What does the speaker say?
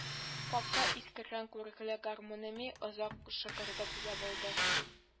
Капка искергән күрекле гармунмыни озак шыгырдап ябылды